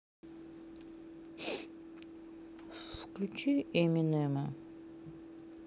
включи эминема